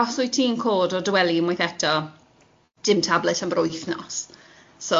os wyt ti'n cod o dy wely unwaith eto, dim tablet am yr wythnos.